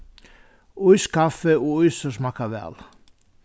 ískaffi og ísur smakka væl